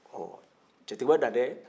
ɔ cɛtigiba dantɛ